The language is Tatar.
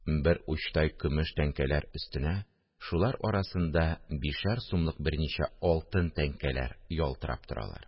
Бер учтай көмеш тәңкәләр өстенә шулар арасында бишәр сумлык берничә алтын тәңкәләр ялтырап торалар